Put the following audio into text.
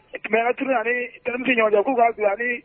Kɛmɛt ani denmisɛn ɲɔgɔnjɔ k'u'a fisa